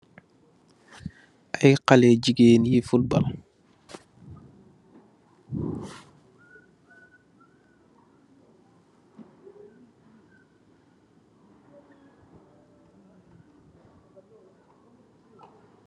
Ay xaleh jigeen yui football.